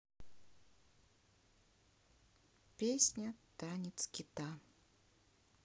песня танец кита